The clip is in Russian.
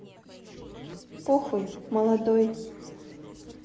похуй молодой